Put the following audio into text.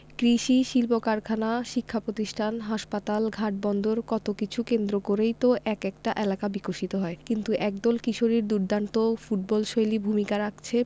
কৃষি শিল্পকারখানা শিক্ষাপ্রতিষ্ঠান হাসপাতাল ঘাট বন্দর কত কিছু কেন্দ্র করেই তো এক একটা এলাকা বিকশিত হয় কিন্তু একদল কিশোরীর দুর্দান্ত ফুটবলশৈলী ভূমিকা রাখছে